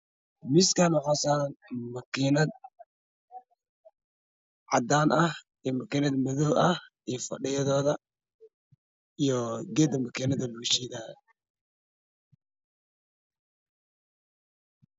Miiskaan waxaa saaran makiinad cadaan ah iyo makiinada madow ah iyo fadhiyadooda iyo geeda makiinada lagu shiidayo